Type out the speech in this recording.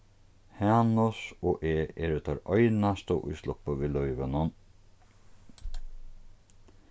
hanus og eg eru teir einastu ið sluppu við lívinum